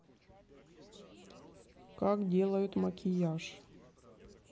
как делают макияж